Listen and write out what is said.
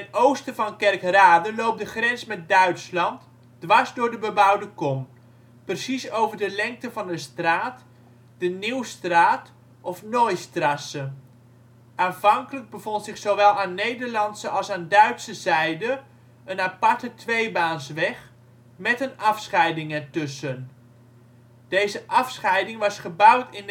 oosten van Kerkrade loopt de grens met Duitsland dwars door de bebouwde kom, precies over de lengte van een straat, de Nieuwstraat (Neustraße). Aanvankelijk bevond zich zowel aan Nederlandse als aan Duitse zijde een aparte tweebaansweg, met een afscheiding ertussen. Deze afscheiding was gebouwd in